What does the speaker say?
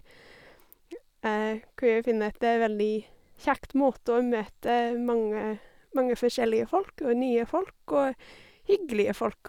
Hvor jeg finner at det er veldig kjekt måte å møte mange mange forskjellige folk, og nye folk, og hyggelige folk.